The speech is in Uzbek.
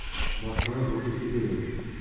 boshqalar bo'shab ketaversin